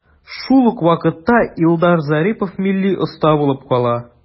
Шул ук вакытта Илдар Зарипов милли оста булып кала.